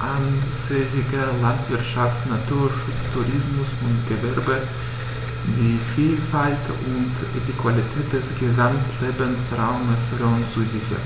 ortsansässiger Landwirtschaft, Naturschutz, Tourismus und Gewerbe die Vielfalt und die Qualität des Gesamtlebensraumes Rhön zu sichern.